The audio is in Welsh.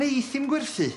Neith hi'm gwerthu.